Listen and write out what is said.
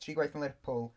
Tri gwaith yn Lerpwl.